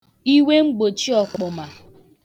iwemgbòchiọ̀kpọ̀mà